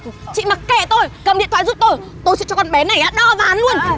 chị mặc kệ tôi cầm điện thoại giúp tôi tôi sẽ cho con bé này đo ván luôn